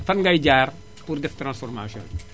fan ngay jaar pour def transformation